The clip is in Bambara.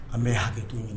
An bɛ akɛto ɲin